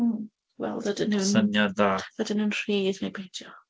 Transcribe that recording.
Mm, gweld ydyn nhw... syniad dda ...ydyn nhw'n rhydd neu beidio.